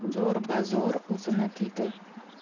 zo'r bazo'r o'zini tiydi